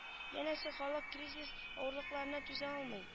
Янәсе халык кризис авырлыкларына түзә алмый